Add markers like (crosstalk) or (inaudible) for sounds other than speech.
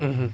(hesitation) (hesitation)